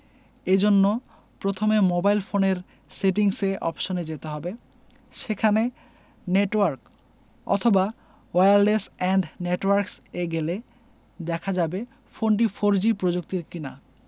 এ জন্য প্রথমে মোবাইল ফোনের সেটিংস অপশনে যেতে হবে সেখানে নেটওয়ার্ক অথবা ওয়্যারলেস অ্যান্ড নেটওয়ার্কস এ গেলে দেখা যাবে ফোনটি ফোরজি প্রযুক্তির কিনা